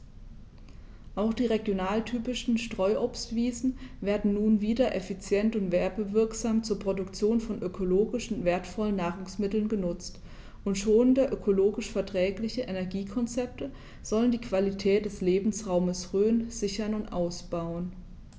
Auch die regionaltypischen Streuobstwiesen werden nun wieder effizient und werbewirksam zur Produktion von ökologisch wertvollen Nahrungsmitteln genutzt, und schonende, ökologisch verträgliche Energiekonzepte sollen die Qualität des Lebensraumes Rhön sichern und ausbauen.